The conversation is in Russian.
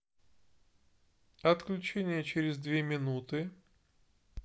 отключение через две минуты